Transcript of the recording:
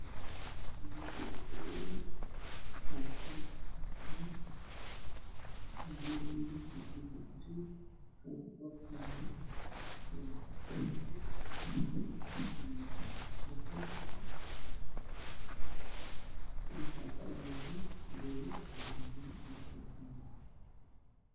Guri wayn oo dabaq dheer ah midabkiisu waa garee kan hoosena waa cadeys, waxaa ku agyaalo geedo cagaaran oo ubaxyo leh.